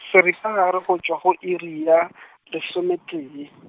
seripagare go tšwa go iri ya, lesometee.